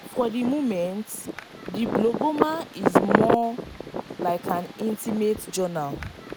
For the moment, the Blogoma is more like an intimate journal.